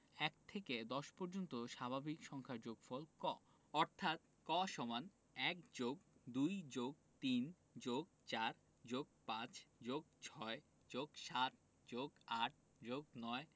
১ থেকে ১০ পর্যন্ত ক্রমিক স্বাভাবিক সংখ্যাগুলোর যোগফল ক অর্থাৎ ক = ১+২+৩+৪+৫+৬+৭+৮+৯